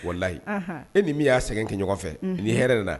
Wa layi e ni min y'a sɛgɛn kɛ ɲɔgɔn fɛ nin hɛrɛ de na